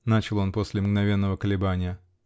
-- начал он после мгновенного колебания.